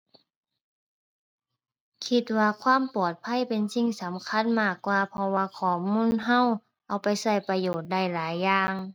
คิดว่าความปลอดภัยเป็นสิ่งสำคัญมากกว่า เพราะว่าข้อมูลเราเอาไปเราประโยชน์ได้หลายอย่าง